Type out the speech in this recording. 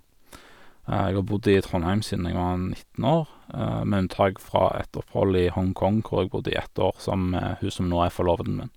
Jeg har bodd i Trondheim siden jeg var nitten år, med unntak fra et opphold i Hong Kong, hvor jeg bodde i ett år sammen med hun som nå er forloveden min.